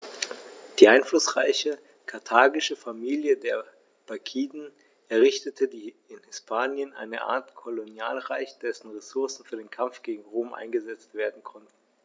Die einflussreiche karthagische Familie der Barkiden errichtete in Hispanien eine Art Kolonialreich, dessen Ressourcen für den Kampf gegen Rom eingesetzt werden konnten.